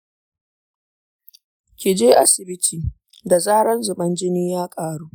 ki je asibiti da zaran zuban jini ya ƙaru.